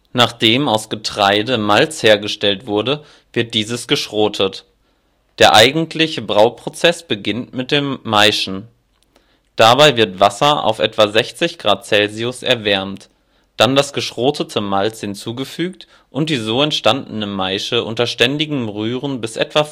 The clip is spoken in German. Nachdem aus Getreide (in der Regel Gerste) Malz hergestellt wurde, wird dieses geschrotet. Der eigentliche Brauprozess beginnt mit dem Maischen. Dabei wird Wasser auf etwa 60° Celcius erwärmt, dann das geschrotete Malz hinzugefügt und die so entstandene Maische unter ständigem Rühren bis etwa